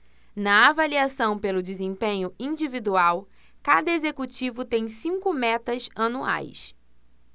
na avaliação pelo desempenho individual cada executivo tem cinco metas anuais